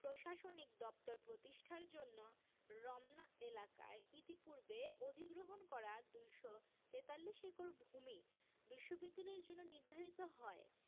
প্রশাসনিক দপ্তর প্রতিষ্ঠার জন্য রমনা এলাকায় ইতিপূর্বে অধিগ্রহণ করা ২৪৩ একর ভূমি বিশ্ববিদ্যালয়ের জন্য নির্ধারিত হয়